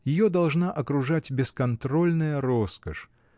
Ее должна окружать бесконтрольная роскошь.